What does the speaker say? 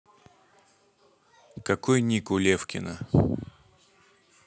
какой ник у левкина